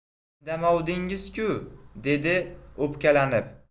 indamovdingiz ku dedi o'pkalanib